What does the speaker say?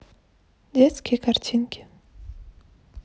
детские картинки